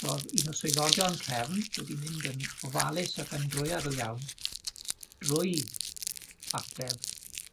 Ro'dd un o swyddogion Cefn wedi mynd yn ofalus ac yn drwyadl iawn drwy ateb...